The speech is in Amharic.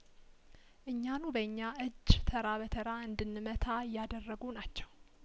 እኛኑ በእኛ እጅ ተራ በተራ እንድንመታ እያደረጉ ናቸው